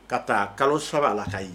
Ka taa kalo sɔrɔ a la ka ye